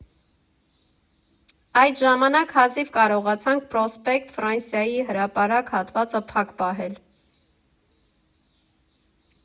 Այդ ժամանակ հազիվ կարողացանք Պրոսպեկտ֊Ֆրանսիայի հրապարակ հատվածը փակ պահել։